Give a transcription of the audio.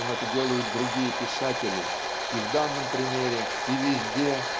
чем это делают другие писатели и в данном примере и везде